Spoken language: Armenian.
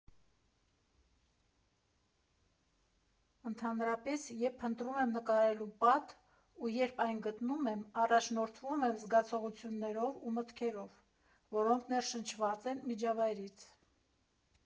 «Ընդհանրապես, երբ փնտրում եմ նկարելու պատ, ու, երբ այն գտնում եմ, առաջնորդվում եմ զգացողություններով ու մտքերով, որոնք ներշնչված են միջավայրից։